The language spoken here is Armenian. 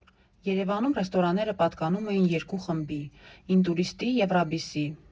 «Երևանում ռեստորանները պատկանում էին երկու խմբի՝ «Ինտուրիստի» և ՌԱԲԻՍ֊ի։